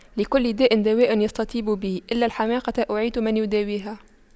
لكل داء دواء يستطب به إلا الحماقة أعيت من يداويها